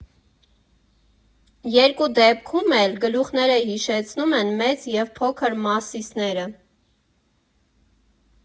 Երկու դեպքում էլ գլուխները հիշեցնում են մեծ և փոքր Մասիսները։